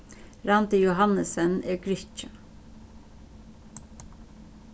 randi johannessen er grikki